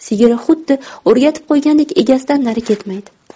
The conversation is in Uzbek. sigiri xuddi o'rgatib qo'ygandek egasidan nari ketmaydi